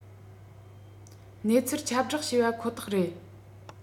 གནས ཚུལ ཁྱབ བསྒྲགས བྱས པ ཁོ ཐག རེད